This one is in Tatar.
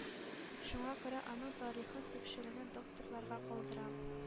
Шуңа күрә аның тарихын тикшерүне докторларга калдырам.